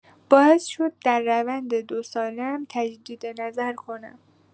باعث شد در روند دو ساله‌ام تجدیدنظر کنم.